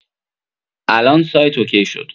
الان سایت اوکی شد.